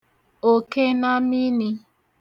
òkenaminī